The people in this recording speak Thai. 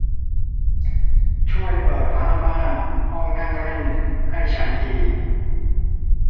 ช่วยเปิดผ้าม่านห้องนั่งเล่นให้ฉันที